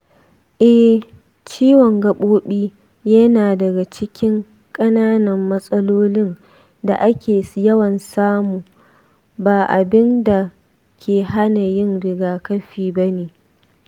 eh, ciwon gabobi yana daga cikin ƙananan matsalolin da ake yawan samu. ba abin da ke hana yin rigakafi ba ne.